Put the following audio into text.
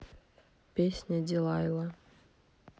песня дилайла